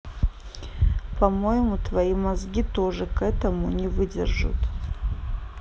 по моему твои мозги тоже к этому не выдержут